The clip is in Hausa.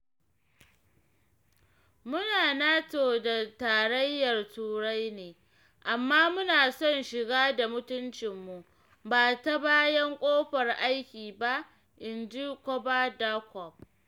“Mu na NATO da Tarayyar Turai ne, amma muna son shiga da mutuncimu, ba ta bayan ƙofar aiki ba,” inji Kavadarkov.